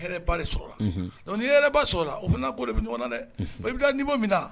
Ni yɛrɛ ba o o bɛ ɲɔgɔn na dɛ i bɛ n' min na